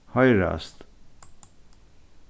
hoyrast